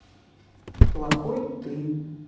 плохой ты